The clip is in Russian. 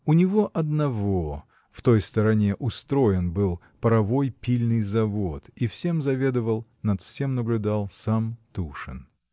у него одного в той стороне устроен был паровой пильный завод, и всем заведовал, над всем наблюдал сам Тушин.